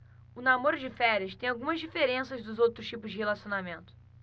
o namoro de férias tem algumas diferenças dos outros tipos de relacionamento